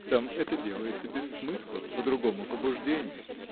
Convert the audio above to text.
там это делается без смысла, по другому побуждению.